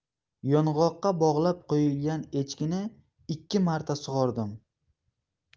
yong'oqqa bog'lab qo'yilgan echkini ikki marta sug'ordim